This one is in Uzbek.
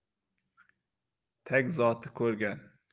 tag zoti ko'rgan